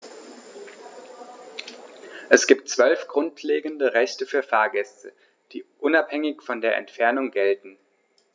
Es gibt 12 grundlegende Rechte für Fahrgäste, die unabhängig von der Entfernung gelten.